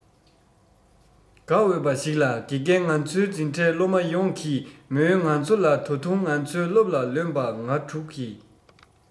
དགའ འོས པ ཞིག ལ དགེ རྒན ང ཚོའི འཛིན གྲྭའི སློབ མ ཡོངས ཀྱིས མོའི ང ཚོ ལ ད དུང ང ཚོའི སློབ ལ བརྩོན པ ང དྲུག གིས